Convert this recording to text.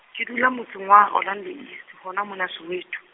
ke dula motseng wa Orlando East, hona mona Soweto.